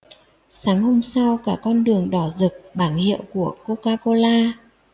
sáng hôm sau cả con đường đỏ rực bảng hiệu của coca cola